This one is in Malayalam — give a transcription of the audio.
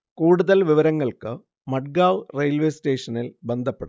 കൂടുതൽ വിവരങ്ങൾക്ക് മഡ്ഗാവ് റെയിൽവേ സ്റ്റേഷനിൽ ബന്ധപ്പെടണം